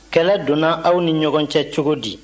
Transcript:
kɛlɛ donna aw ni ɲɔgɔn cɛ cogo di